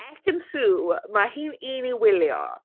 Ekin-Su, ma' hi'n un i wylio.